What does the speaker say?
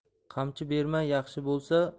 qamchi berma yaxshi bo'lsa